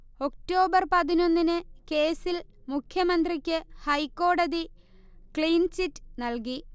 October പതിനൊന്നിന് കേസിൽ മുഖ്യമന്ത്രിക്ക് ഹൈക്കോടതി ക്ലീൻചിറ്റ് നൽകി